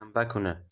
shanba kuni